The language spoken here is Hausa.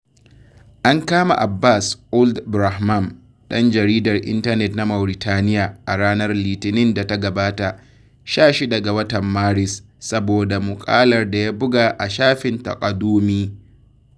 An kama Abbass Ould Brahmam, ɗan jaridar intanet na Mauritania a ranar Litinin da ta gabata 16 ga watan Maris, saboda muƙalar da ya buga a shafin Taqadoumy.